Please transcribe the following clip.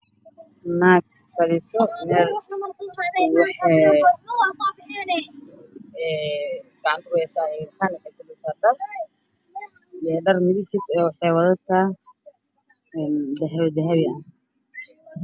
Waa naag meel fadhiso harqaan ku shaqeyneyso midabkiisuyahay caddaan xijaabka iyo cabbayada ay qabtay wacday